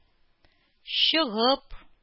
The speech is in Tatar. Чыгып